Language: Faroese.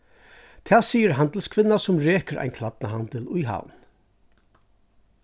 tað sigur handilskvinna sum rekur ein klædnahandil í havn